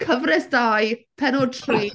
Cyfres dau pennod tri.